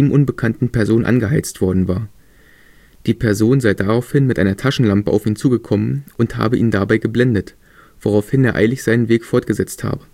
unbekannten Person angeheizt worden war. Die Person sei daraufhin mit einer Taschenlampe auf ihn zugekommen und habe ihn dabei geblendet, woraufhin er eilig seinen Weg fortgesetzt habe